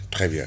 très bien